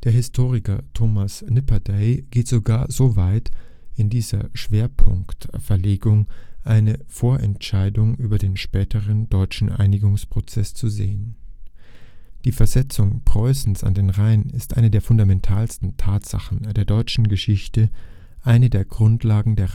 Historiker Thomas Nipperdey geht sogar so weit, in dieser Schwerpunktverlagerung eine Vorentscheidung über den späteren deutschen Einigungsprozess zu sehen: „ Die Versetzung Preußens an den Rhein ist eine der fundamentalsten Tatsachen der deutschen Geschichte, eine der Grundlagen der